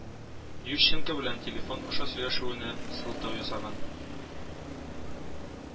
Ющенко белән телефон аша сөйләшүенә сылтау ясаган